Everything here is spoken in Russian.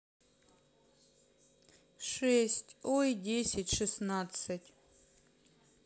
шесть ой десять шестнадцать